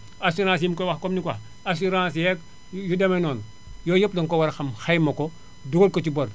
assurances yi mu ko wax comme ni nga ko waxee assurances yeeg yu demee noonu yooyu yëpp danga koo war a xam xayma ko dugal ko ci bor